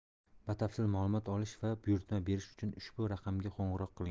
batafsil ma'lumot olish va buyurtma berish uchun ushbu raqamga qo'ng'iroq qiling